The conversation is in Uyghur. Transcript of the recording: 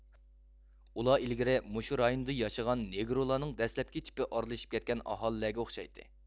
ئۇلار ئىلگىرى مۇشۇ رايوندا ياشىغان نېگرولارنىڭ دەسلەپكى تىپى ئارىلىشىپ كەتكەن ئاھالىلەرگە ئوخشايتتى